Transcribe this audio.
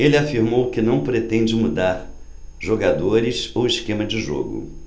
ele afirmou que não pretende mudar jogadores ou esquema de jogo